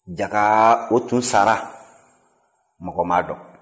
yala o tun sara mɔgɔ ma a dɔn